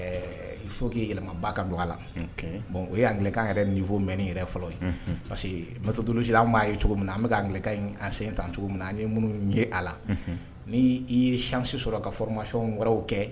I fo k' yɛlɛmaba ka don a la bon o y ye ankan yɛrɛ nin fɔ mɛn nin yɛrɛ fɔlɔ ye parce que mɛto duji an m'a ye cogo min an bɛ'ka an sen tan cogo min an minnu ye a la ni'' ye sisi sɔrɔ ka foromasi wɛrɛw kɛ